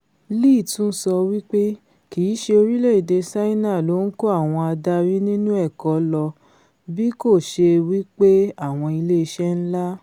Lee tun so wí pé ''Kì í ṣe orílẹ̀-èdè Ṣáínà ló ńkó àwọn adarí nínú ẹ̀kọ́ lọ; bíkoṣe wí pé àwọn ilé iṣẹ́ ńlá''.